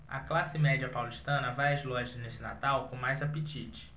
a classe média paulistana vai às lojas neste natal com mais apetite